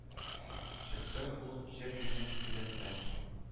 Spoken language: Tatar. Чыкты ул җыр минем йөрәктән.